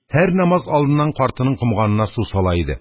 Һәр намаз алдыннан картының комганына су сала иде.